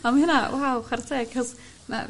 O ma' hynna waw chwara teg 'c'os ma'